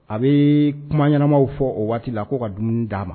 A bɛ kuma ɲɛnamaw fɔ o waati la k'o ka dunun d'a ma